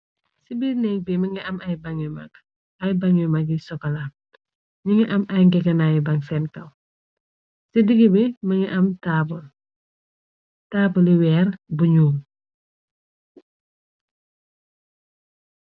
Ci biir nékg bi mi nga am ay baŋgyu mag ay ban yu mag yi sokalam ñi ngi am ay ngeganaayu baŋ seen kaw ci diggé bi më ngi am taabali weer bu ñyuul.